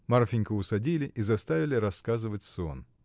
Марфиньку усадили и заставили рассказывать сон.